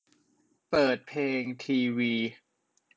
เปิดเพลงทีวี